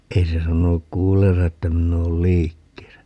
ei se sanonut kuulleensa että minä olen liikkeessä